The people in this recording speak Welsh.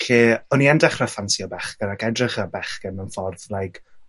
lle o'n i yn dechre ffansio bechgyn ac edrych ar bechgyn mewn ffordd like